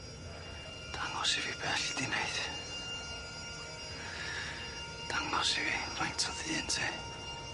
Dangos i fi be alli di neud. Dangos i fi faint o ddyn ti.